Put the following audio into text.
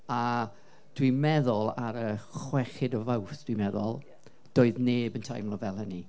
A dwi'n meddwl, ar y chweched o Fawrth dwi'n meddwl, doedd neb yn teimlo fel hynny.